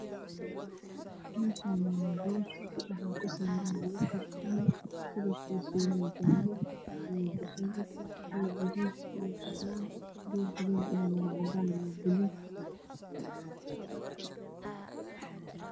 Meeshaani waa boor waxaa ku sawiran labo kartoon kalarkisa yahay jaale dahabi guduug cadaan boorka darbigana waa cadaan iyo buluug